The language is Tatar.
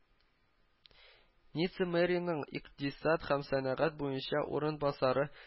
Ницца мэрының икътисад һәм сәнәгать буенча урынбасары